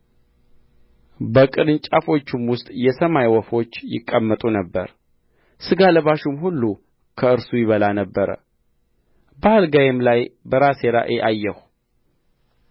በቅርንጫፎቹም ውስጥ የሰማይ ወፎች ይቀመጡ ነበር ሥጋ ለባሹም ሁሉ ከእርሱ ይበላ ነበር በአልጋዬም ላይ በራሴ ራእይ አየሁ